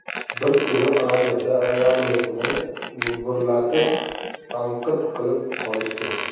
bir kuni radioda rayonimizni gumburlatib tanqid qilib qolishdi